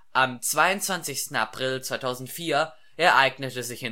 Am 22. April 2004 ereignete sich